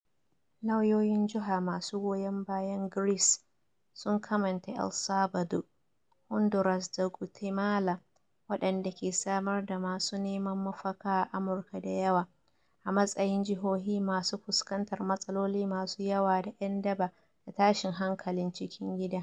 Lauyoyin jiha masu goyon bayan Grace sun kamanta El Salvador, Honduras da Guatemala, waɗanda ke samar da masu neman mafaka a Amurka da yawa, a matsayin jihohi masu fuskantar matsaloli masu yawa da yan daba da tashn hankalin cikin gida.